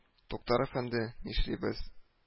— туктар әфәнде, нишлибез